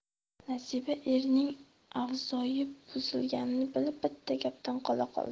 nasiba erining avzoyi buzilganini bilib bitta gapdan qola qoldi